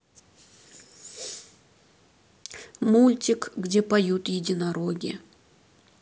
мультик где поют единороги